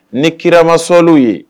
Ni kiramasoli ye